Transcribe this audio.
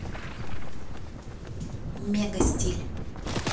мега стиль